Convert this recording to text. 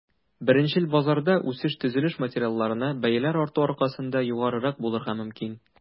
Беренчел базарда үсеш төзелеш материалларына бәяләр арту аркасында югарырак булырга мөмкин.